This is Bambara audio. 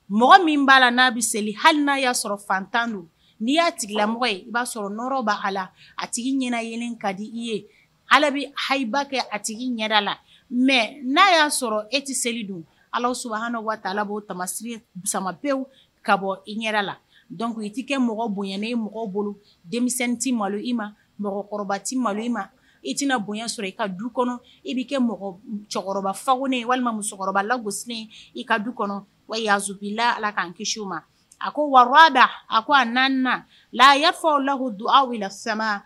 Mɔgɔ min b'a la n' bɛ seli hali n'a y'a sɔrɔ fantan don n'i y'a tigilamɔgɔ ye i b'a sɔrɔ nɔɔrɔ bɛ ala a tigi ɲɛna ka di i ye ala bɛ haba kɛ a tigi i la mɛ n'a y'a sɔrɔ e tɛ seli don ala waati'o tamasi samabe ka bɔ i yɛrɛ la dɔn i tɛ kɛ mɔgɔ bonyay mɔgɔ bolo denmisɛn tɛ malo i ma mɔgɔkɔrɔba malo i ma i tɛna bonya sɔrɔ i ka du kɔnɔ i bɛ kɛ mɔgɔ cɛkɔrɔbafako ne walima musokɔrɔba lagosi i ka du kɔnɔ wa yazla la k'an kisi ma a ko wawada a ko a' la yafa aw la don aw wulila sama